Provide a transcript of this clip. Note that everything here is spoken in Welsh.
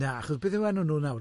Na, achos beth yw enw nhw nawr?